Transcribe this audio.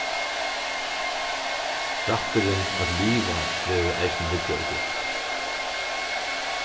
rætturin at liva verður eisini viðgjørdur